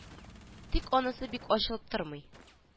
Тик анысы бик ачылып тормый